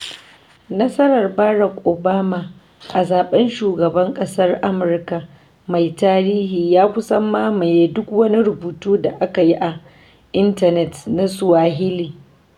Nasarar Barack Obama a zaɓen Shugaban ƙasar Amurka mai tarihi ya kusan mamaye duk wani rubutu da aka yi a intanet na Swahili.